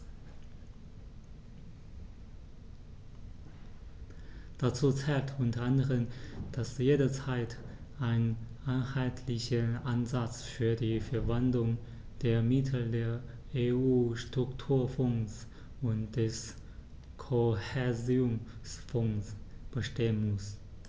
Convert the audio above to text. Dazu zählt u. a., dass jederzeit ein einheitlicher Ansatz für die Verwendung der Mittel der EU-Strukturfonds und des Kohäsionsfonds bestehen muss.